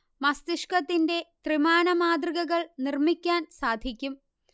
മസ്തിഷ്കത്തിന്റെ ത്രിമാന മാതൃകകൾ നിർമ്മിക്കാൻ സാധിക്കും